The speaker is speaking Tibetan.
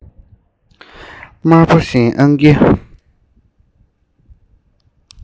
དམར པོ བཞིན ཨང ཀིས